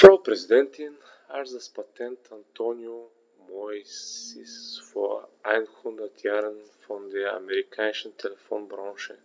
Frau Präsidentin, als das Patent Antonio Meuccis vor einhundert Jahren von der amerikanischen Telefonbranche